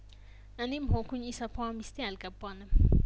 እኔም ሆንኩኝ ኢሰፓዋ ሚስቴ አልገባንም